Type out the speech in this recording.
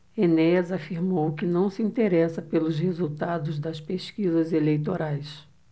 enéas afirmou que não se interessa pelos resultados das pesquisas eleitorais